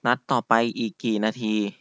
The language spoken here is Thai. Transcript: นัดต่อไปอีกกี่นาที